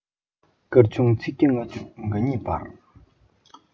སྐར ཆུང ཚིག བརྒྱ ལྔ བཅུ ང གཉིས བར